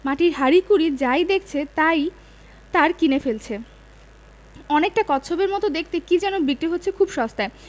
মাটির হাঁড়িকুরি যাই দেখছে তাই তার কিনে ফেলছে অনেকটা কচ্ছপের মত দেখতে কি যেন বিক্রি হচ্ছে খুব সস্তায়